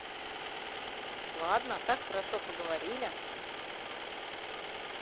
ладно так хорошо поговорили